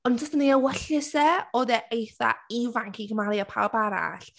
Ond jyst yn ei ewyllys e, oedd e eitha ifanc i gymharu â pawb arall.